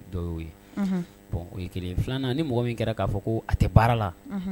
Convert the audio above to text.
Dɔ y'o ye bɔn o ye kelen filanan ni mɔgɔ min kɛra k'a fɔ ko a tɛ baara la